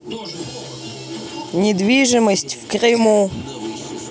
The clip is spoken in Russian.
недвижимость в крыму